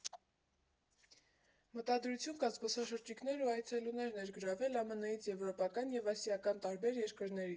Մտադրություն կա զբոսաշրջիկներ ու այցելուներ ներգրավել ԱՄՆ֊ից, եվրոպական և ասիական տարբեր երկրներից։